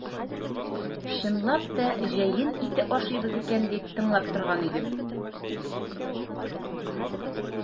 Чынлап та җәен ите ашыйбыз икән дип тыңлап торган идем.